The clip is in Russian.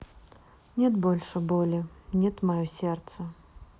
нет больше боли нет мое сердце